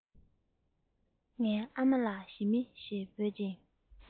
ངའི ཨ མ ལ ཞི མ ཞེས འབོད ཅིང